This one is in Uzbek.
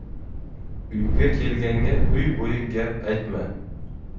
uyga kelganga uy bo'yi gap aytma